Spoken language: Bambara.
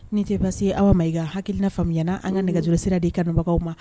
Ni tɛ basi aw ma i ka hakilikilina faamuya ɲɛna na an ka nɛgɛj sira de i kabagaw ma